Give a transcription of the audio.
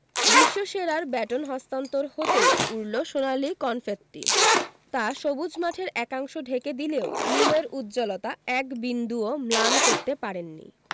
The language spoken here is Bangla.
বিশ্বসেরার ব্যাটন হস্তান্তর হতেই উড়ল সোনালি কনফেত্তি তা সবুজ মাঠের একাংশ ঢেকে দিলেও নীলের উজ্জ্বলতা এক বিন্দুও ম্লান করতে পারেনি